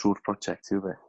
trw'r project teip o beth